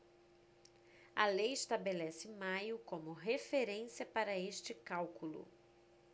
a lei estabelece maio como referência para este cálculo